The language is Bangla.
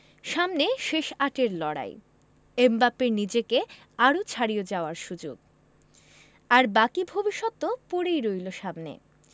সামনে শেষ আটের লড়াই এমবাপ্পের নিজেকে আরও ছাড়িয়ে যাওয়ার সুযোগ আর বাকি ভবিষ্যৎ তো পড়েই রইল সামনে